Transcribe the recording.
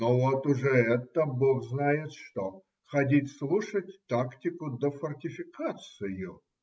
"Ну, вот уже это бог знает что: ходить слушать тактику да фортификацию!